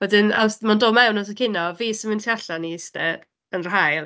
Wedyn ams- mae'n dod mewn amser cino. Fi isie mynd tu allan i iste yn yr haul.